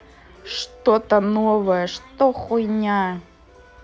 что то новое что хуйня